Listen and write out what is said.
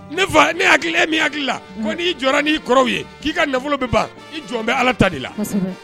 Ne ne hakili hakili la n'i jɔ n'i kɔrɔw ye k'i ka nafolo bɛ ban i jɔn bɛ ala ta de la